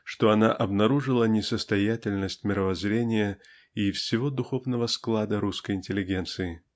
что она обнаружила несостоятельность мировоззрения и всего духовного склада русской интеллигенции.